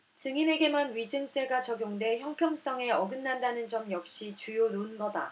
증인에게만 위증죄가 적용돼 형평성에 어긋난다는 점 역시 주요 논거다